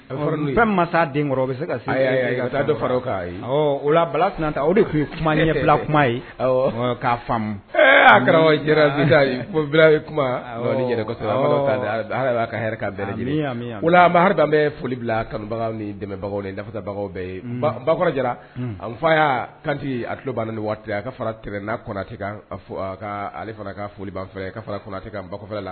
Se fara bala t ta o de tun kuma kuma ye k' fa a kɛrata ka ha bɛ foli bila kanubaga dɛmɛbagaw yefasabagaw bɛɛ ye bakɔrɔ jara afa y'a kan a tulolo' waati a ka fara tigɛ nna kɔrɔtɛ ale fara ka foli fɛ ka faratɛ ka bafɛ la